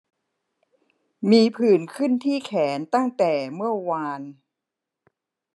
มีผื่นขึ้นที่แขนตั้งแต่เมื่อวาน